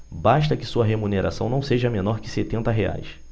basta que sua remuneração não seja menor que setenta reais